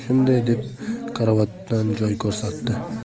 shunday deb karavotdan joy ko'rsatdi